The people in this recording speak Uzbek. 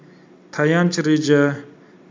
tayanch reja